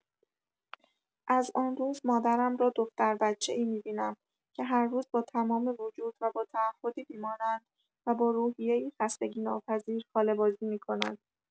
از آن روز مادرم را دختر بچه‌ای می‌بینم که هر روز با تمام وجود و با تعهدی بی‌مانند و با روحیه‌ای خستگی‌ناپذیر خاله‌بازی می‌کند!